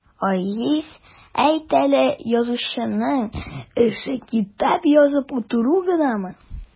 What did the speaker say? Айгиз, әйт әле, язучының эше китап язып утыру гынамы?